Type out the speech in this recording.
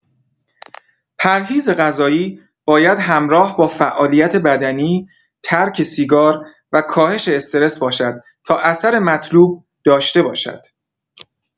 پرهیز غذایی باید همراه با فعالیت بدنی، ترک سیگار و کاهش استرس باشد تا اثر مطلوب داشته باشد.